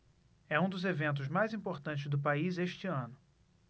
é um dos eventos mais importantes do país este ano